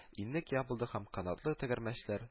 Иннек ябылды һәм канатлы тегәрмәчләр